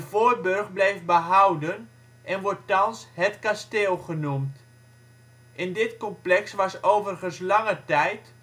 voorburcht bleef behouden en wordt thans “het kasteel” genoemd. In dit complex was overigens lange tijd